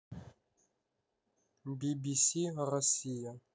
би би си россия